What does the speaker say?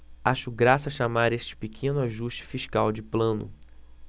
acho graça chamar esse pequeno ajuste fiscal de plano